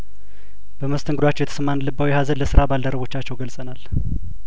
በመስተንግዶዎቻቸው የተሰማንን ልባዊ ሀዘን ለስራ ባልደረቦቻቸው ገልጸናል